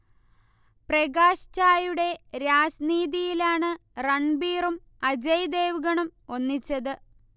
പ്രകാശ് ഝായുടെ രാജ്നീതിയിലാണ് രൺബീറും അജയ് ദേവ്ഗണും ഒന്നിച്ചത്